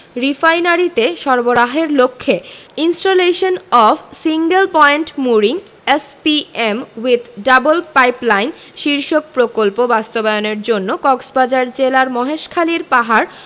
রিফাইনারিতে সরবরাহের লক্ষ্যে installation of single point mooring SPM with double pipeline শীর্ষক প্রকল্প বাস্তবায়নের জন্য কক্সবাজার জেলার মহেশখালীর পাহাড়